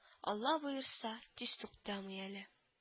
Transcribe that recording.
Алла боерса, тиз туктамый әле